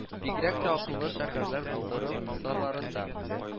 Бигрәк тә “акыллы шәһәрләр” булдыру кысаларында